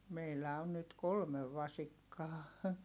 meillä on nyt kolme vasikkaa